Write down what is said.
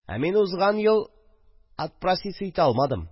– ә мин узган ел отпроситься итә алмадым